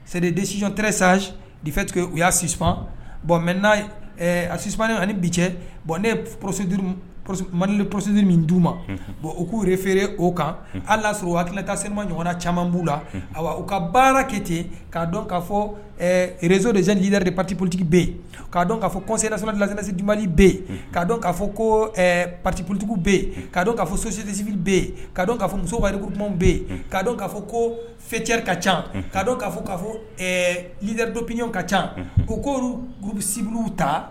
Se desijɔnte sa detigɛ u y'a sisan bɔn mɛ n asiumannen ni bi cɛ bɔn ne porosi mali porosidi min d'u ma bɔn u k'u yɛrɛ feere o kan ala y'a sɔrɔ a hakili tilala ka sema ɲɔgɔnna caman b'u la a u ka baarake ten k kaa dɔn kaa fɔ rezo deze yɛrɛre de patipolitigiki bɛ yen k kaa dɔn'a kɔsidali lagɛnɛsidiba bɛ yen kaa dɔn'a fɔ ko patipolitigi bɛ yen kaa dɔn'a fɔ sositesi bɛ yen kaa dɔn kaa fɔ musobarikp bɛ yen kaa don kaa fɔ ko ficɛri ka ca ka don'a fɔ kaa fɔ dri dɔpyɔn ka ca ko koru'usi ta